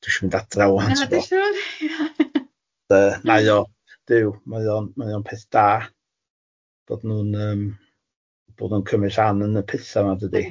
dwi isio mynd adra ŵan tibod ... Na dwi'n siwr ia. ...yy nai o duw mae o'n mae o'n peth da, bod nhw'n yym bod nhw'n cymryd rhan yn y petha ma dydi?